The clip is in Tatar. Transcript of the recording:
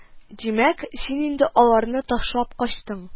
Димәк, син инде аларны ташлап качтың